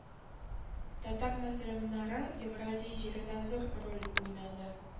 Татар мөселманнары евразия җирендә зур роль уйнады